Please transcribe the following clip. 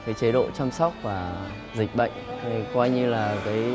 cái chế độ chăm sóc và dịch bệnh hay coi như là cái